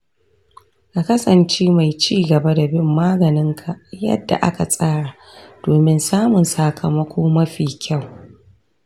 ka kasance mai ci gaba da bin maganinka yadda aka tsara domin samun sakamako mafi kyau.